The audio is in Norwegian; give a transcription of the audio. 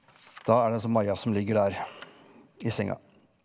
da er det altså Maja som ligger der i senga.